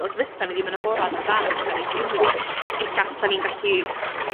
os fysan ni ddim yn agorad amdan sud 'dan ni'n teimlo ella san ni'n gallu...